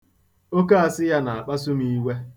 Oke asị ya na-akpasu m iwe.